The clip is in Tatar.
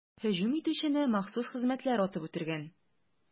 Һөҗүм итүчене махсус хезмәтләр атып үтергән.